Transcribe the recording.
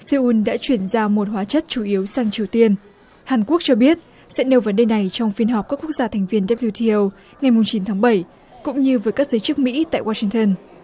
sơ un đã chuyển giao một hóa chất chủ yếu sang triều tiên hàn quốc cho biết sẽ nêu vấn đề này trong phiên họp các quốc gia thành viên đáp liu ti âu ngày mùng chín tháng bảy cũng như với các giới chức mỹ tại oa sing tơn